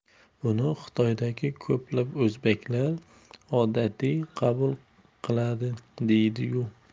buni xitoydagi ko'plab o'zbeklar odatiy qabul qildi deydi u